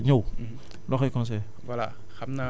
par rapport ak campagne bii di ñëw